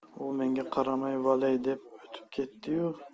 u menga qaramay valey deb o'tib ketdi yu